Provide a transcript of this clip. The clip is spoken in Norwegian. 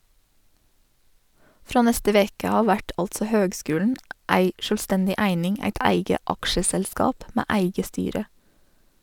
Frå neste veke av vert altså høgskulen ei sjølvstendig eining, eit eige aksjeselskap med eige styre.